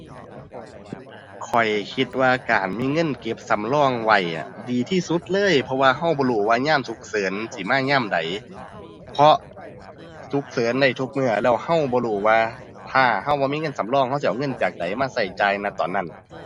ข้อยคิดว่าการที่มีเงินเก็บสำรองไว้อะ ดีที่สุดเลย เพราะว่าเราบ่รู้ว่ายามฉุกเฉินสิมายามใด เพราะฉุกเฉินได้ทุกเมื่อ แล้วเราบ่รู้ว่าถ้าเราบ่มีเงินสำรอง เราสิเอาเงินจากใดมาเราจ่าย ณ ตอนนั้น